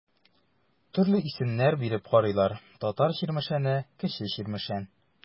Төрле исемнәр биреп карыйлар: Татар Чирмешәне, Кече Чирмешән.